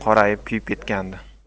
qorayib kuyib ketgandi